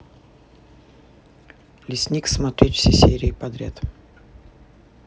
лесник смотреть все серии подряд